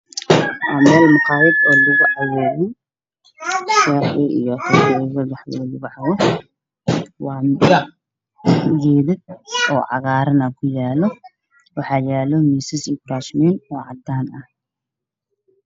Waa meel maqaayad bannaankeeda waa roog cagaaran waa maqaayad kuraas cadaan ayaa yaalo